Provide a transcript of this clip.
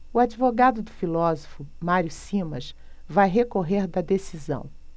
o advogado do filósofo mário simas vai recorrer da decisão